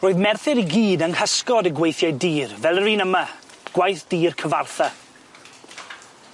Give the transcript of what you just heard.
Roedd Merthyr i gyd yng nghysgod y gweithie dur fel yr un yma, gwaith dur Cyfartha.